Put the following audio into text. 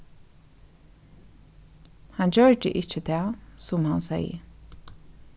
hann gjørdi ikki tað sum hann segði